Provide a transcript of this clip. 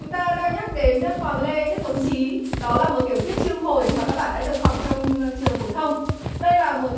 chúng ta đang nhắc đến hoàng lê nhất thống chí đó là một tiểu thuyết chương hồi mà các bạn đã được học trong trường phổ thông đây là một